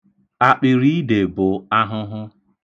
Akpịriide bụ ahụhụ.